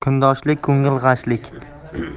kundoshlik ko'ngil g'ashlik